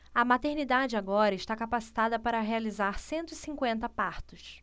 a maternidade agora está capacitada para realizar cento e cinquenta partos